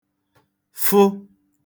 fụ